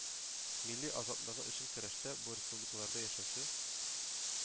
Милли азатлыгы өчен көрәштә бу республикаларда яшәүче